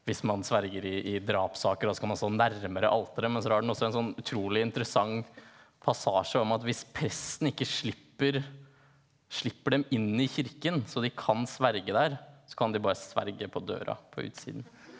hvis man sverger i i drapssaker da skal man stå nærmere alteret, men så har den også en sånn utrolig interessant passasje om at hvis presten ikke slipper slipper dem inn i kirken så de kan sverge der så kan de bare sverge på døra på utsiden.